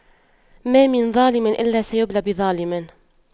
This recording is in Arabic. ما من ظالم إلا سيبلى بظالم